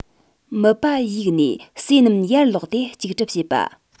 མིད པ གཡིགས ནས ཟས རྣམས ཡར ལོག སྟེ སྐྱུག གྲབས བྱེད པ